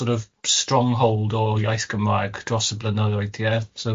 sor' of stronghold o iaith Cymraeg dros y blynyddoedd ie, so.